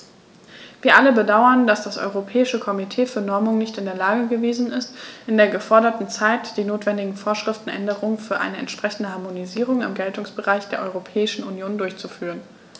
Wir alle bedauern, dass das Europäische Komitee für Normung nicht in der Lage gewesen ist, in der geforderten Zeit die notwendige Vorschriftenänderung für eine entsprechende Harmonisierung im Geltungsbereich der Europäischen Union durchzuführen.